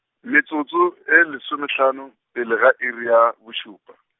metsotso e lesomehlano, pele ga iri ya, bošupa.